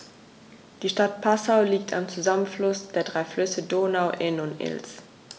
Die Stadt Passau liegt am Zusammenfluss der drei Flüsse Donau, Inn und Ilz.